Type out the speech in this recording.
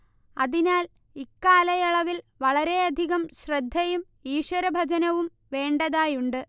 അതിനാൽ ഇക്കാലയളവിൽ വളരെയധികം ശ്രദ്ധയും ഈശ്വരഭജനവും വേണ്ടതായുണ്ട്